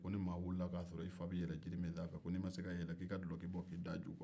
ko ni maa wuli ka sɔrɔ i fa bɛ yɛlɛ jiri min san fɛ ko n'i ma se ka yɛlɛ k'i dilɔki bɔ k'i da duguman